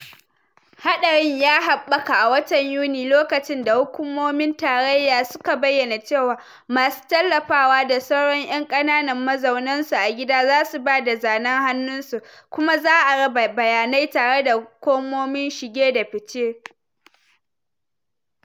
Haɗarin ya haɓaka a watan Yuni, lokacin da hukumomin tarayya suka bayyana cewa masu tallafawa da sauran 'yan ƙananan mazaunan su a gida zasu bada zanen hannun su, kuma za a raba bayanai tare da hukumomin shige da fice.